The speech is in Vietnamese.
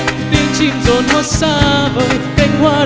chim rộn hót xa vời cánh hoa